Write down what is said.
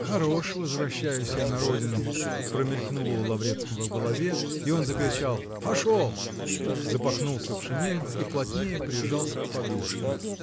"Хорош возвращаюсь я на родину", -- промелькнуло у Лаврецкого в голове, и он закричал: "Пошел!" -- запахнулся в шинель и плотнее прижался к подушке.